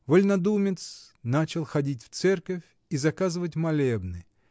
Вольнодумец -- начал ходить в церковь и заказывать молебны